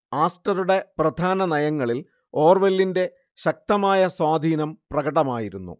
ആസ്റ്ററുടെ പ്രസാധനനയങ്ങളിൽ ഓർവെലിന്റെ ശക്തമായ സ്വാധീനം പ്രകടമായിരുന്നു